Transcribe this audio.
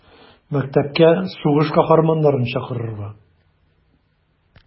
Мәктәпкә сугыш каһарманнарын чакырырга.